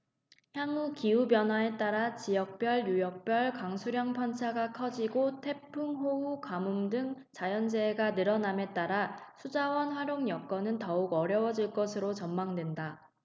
향후 기후변화에 따라 지역별 유역별 강수량 편차가 커지고 태풍 호우 가뭄 등 자연재해가 늘어남에 따라 수자원 활용 여건은 더욱 어려워질 것으로 전망된다